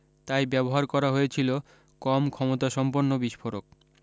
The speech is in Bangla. তাই ব্যবহার করা হয়েছিলো কম ক্ষমতাসম্পন্ন বিস্ফোরক